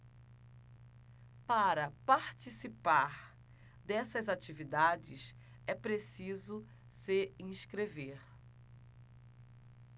para participar dessas atividades é preciso se inscrever